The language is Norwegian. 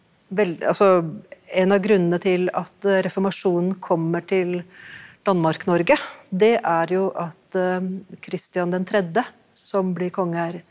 vel altså en av grunnene til at reformasjonen kommer til Danmark-Norge det er jo at Christian den tredje som blir konge her.